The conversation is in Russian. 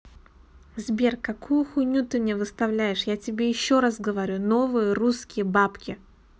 сбер какую хуйню ты мне выставляешь я тебе еще раз говорю новые русские бабки